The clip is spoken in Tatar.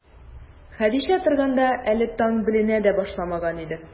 Хәдичә торганда, әле таң беленә дә башламаган иде.